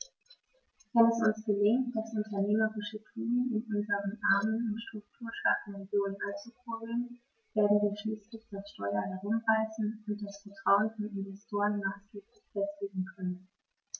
Wenn es uns gelingt, das unternehmerische Tun in unseren armen und strukturschwachen Regionen anzukurbeln, werden wir schließlich das Steuer herumreißen und das Vertrauen von Investoren maßgeblich festigen können.